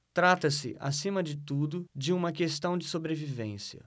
trata-se acima de tudo de uma questão de sobrevivência